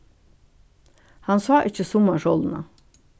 hann sá ikki summarsólina